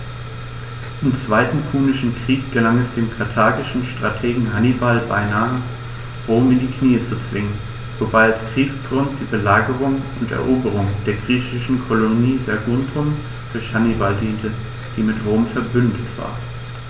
Im Zweiten Punischen Krieg gelang es dem karthagischen Strategen Hannibal beinahe, Rom in die Knie zu zwingen, wobei als Kriegsgrund die Belagerung und Eroberung der griechischen Kolonie Saguntum durch Hannibal diente, die mit Rom „verbündet“ war.